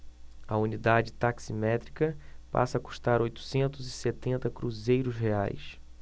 a unidade taximétrica passa a custar oitocentos e setenta cruzeiros reais